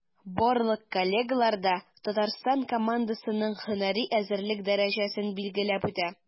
Барлык коллегалар да Татарстан командасының һөнәри әзерлек дәрәҗәсен билгеләп үтә.